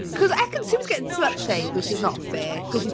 Because Ekin-Su was getting slut-shamed, which is not fair, because she's...